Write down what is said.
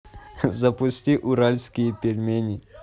запусти уральские пельмени